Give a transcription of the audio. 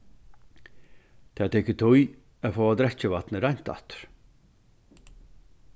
tað tekur tíð at fáa drekkivatnið reint aftur